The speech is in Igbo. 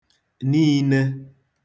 niine